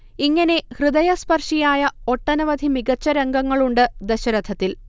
ഇങ്ങനെ ഹൃദയസ്പർശിയായ ഒട്ടനവധി മികച്ച രംഗങ്ങളുണ്ട് ദശരഥത്തിൽ